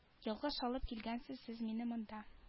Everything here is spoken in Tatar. Ялгыш алып килгәнсез сез мине монда